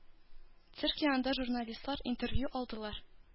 Цирк янында журналистлар интервью алдылар.